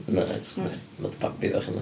Wyt... Wyt. ...Ma' fatha babi bach yndi.